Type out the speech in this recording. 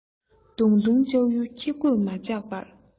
བརྡུངས བརྡུངས ལྕག ཡུ ཁྱི མགོས མ བཅག པར